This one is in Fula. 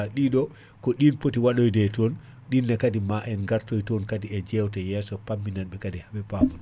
ɗiɗo ko ɗin poti waɗoyde ton ɗinne kaadi ma en gartoy ton kaadi e jewte yesso pammi nenɓe kaadi haɓe paam